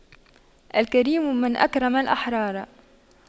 الكريم من أكرم الأحرار